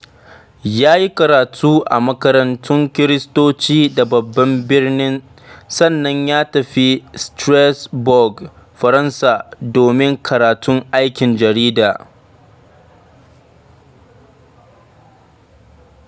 Ya yi karatu a makarantun Kiristoci a babban birnin, sannan ya tafi Strasbourg, Faransa domin karatun aikin jarida.